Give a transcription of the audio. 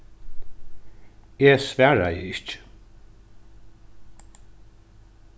eg svaraði ikki